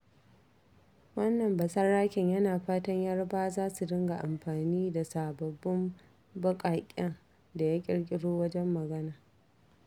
Wannan ba saraken yana fatan Yarbawa za su dinga amfani da sababbun baƙaƙen da ya ƙirƙiro wajen magana.